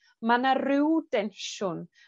ma' 'na ryw densiwn.